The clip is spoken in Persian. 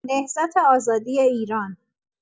نهضت آزادی ایران